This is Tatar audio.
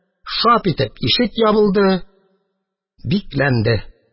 Шап итеп ишек ябылды, бикләнде!